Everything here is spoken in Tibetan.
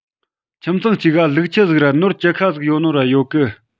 ཁྱིམ ཚང གཅིག ག ལུག ཁྱུ ཟིག ར ནོར བཅུ ཁ ཟིག ཡོད ནོ ར ཡོད གི